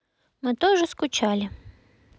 мы тоже скучали